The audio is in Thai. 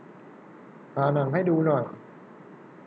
หาหนังให้ดูหน่อย